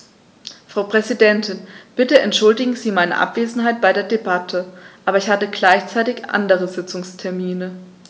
Frau Präsidentin, bitte entschuldigen Sie meine Abwesenheit bei der Debatte, aber ich hatte gleichzeitig andere Sitzungstermine.